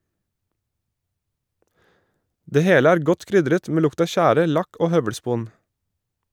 Det hele er godt krydret med lukt av tjære, lakk og høvelspon.